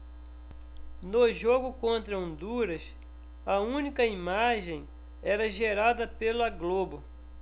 no jogo contra honduras a única imagem era gerada pela globo